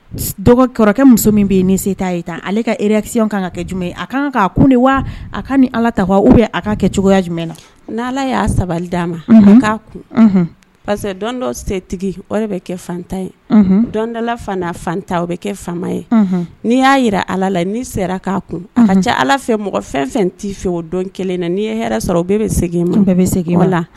Dɔgɔ kɔrɔkɛ muso min bɛ se' ye tan ale kaki kɛ jumɛn a kan kun de wa ka ni ala ta a ka kɛ cogoya jumɛn na ni' ala y'a sabali d'a ma'a kun parce que dɔn dɔ setigi bɛ kɛ fatan ye dɔnda' fantan o bɛ kɛ fa ye n'i y'a jira ala la nii sera k'a kun ka ca ala fɛ mɔgɔ fɛn fɛn tɛ fɛ o dɔn kelen na n'i ye hɛrɛ sɔrɔ u bɛ segin bɛ segin la